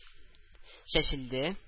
Чәчелде